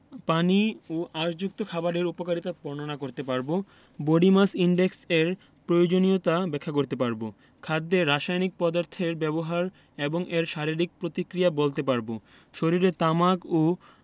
পানি ও আশযুক্ত খাবারের উপকারিতা বর্ণনা করতে পারব বডি মাস ইনডেক্স এর প্রয়োজনীয়তা ব্যাখ্যা করতে পারব খাদ্যে রাসায়নিক পদার্থের ব্যবহার এবং এর শারীরিক প্রতিক্রিয়া বলতে পারব শরীরে তামাক